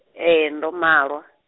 ee ndo malwa.